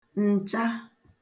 ǹcha